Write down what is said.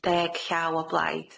N- deg llaw o blaid.